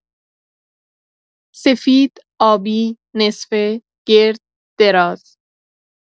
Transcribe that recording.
سفید، آبی، نصفه، گرد، دراز.